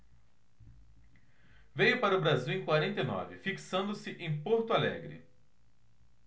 veio para o brasil em quarenta e nove fixando-se em porto alegre